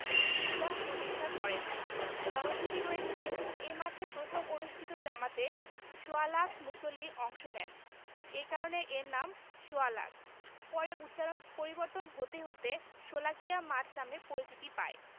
এই ঈদগাহ প্রতিষ্ঠা করেন জনশ্রুতি রয়েছে এই মাঠে প্রথম অনুষ্ঠিত জামাতে সোয়া লাখ মুসল্লি অংশ নেন এ কারণে এর নাম হয় সোয়া লাখ পরে উচ্চারণ পরিবর্তন হতে হতে শোলাকিয়া মাঠ নামে পরিচিতি পায়